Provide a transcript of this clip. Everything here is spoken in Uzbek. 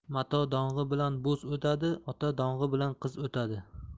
mato dong'i bilan bo'z o'tadi ota dong'i bilan qiz o'tadi